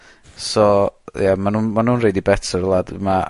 ... so, ie ma' nw'n ma' nw'n roid 'u bets ar y wlad yma